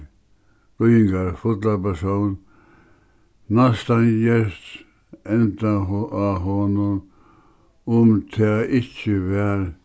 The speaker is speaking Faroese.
líðingarfullan persón næstan gjørt enda á honum um tað ikki var